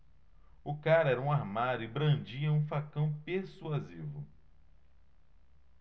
o cara era um armário e brandia um facão persuasivo